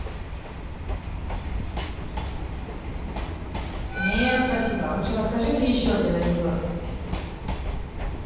нет спасибо лучше расскажи мне еще один анекдот